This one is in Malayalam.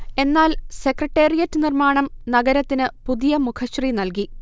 എന്നാൽ സെക്രട്ടേറിയറ്റ് നിര്മ്മാണം നഗരത്തിന് പുതിയ മുഖശ്രീ നല്കി